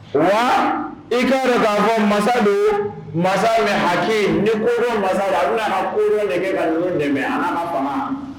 Wa i ka k'a fɔ masa don masaw bɛ ha ne koro masa wula koro de kɛ ka dɛmɛ